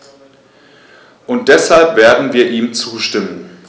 Und deshalb werden wir ihm zustimmen.